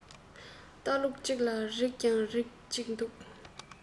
ལྟ ལུགས གཅིག ལ རིགས ཀྱང རིགས གཅིག འདུག